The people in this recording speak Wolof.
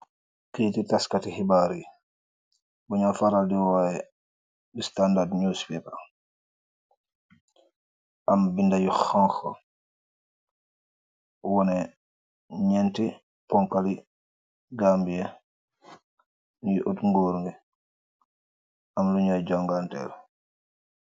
Keyti tass kati xibaar yi bu nyu farar di woyeh d standard news paper aam benda yu xonxa woneh neent ti ponkal li Gambia yui ngur bi aam lu nyo jonkalteen.